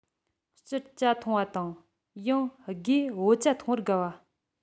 སྤྱིར ཇ འཐུང བ དང ཡང སྒོས བོད ཇ འཐུང བར དགའ བ